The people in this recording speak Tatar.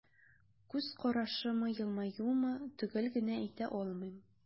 Күз карашымы, елмаюмы – төгәл генә әйтә алмыйм.